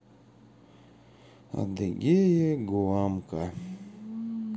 адыгея гуамка